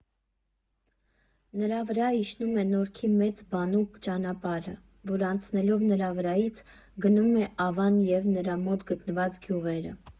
Նրա վրա իջնում է Նորքի մեծ բանուկ ճանապարհը, որ անցնելով նրա վրայից, գնում է Ավան և նրա մոտ գտնված գյուղերը։